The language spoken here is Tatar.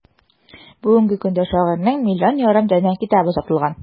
Бүгенге көндә шагыйрәнең 1,5 миллион данә китабы сатылган.